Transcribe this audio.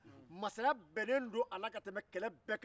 masaya bɛnnen don a la ka tɛmɛ kɛlɛ bɛɛ kan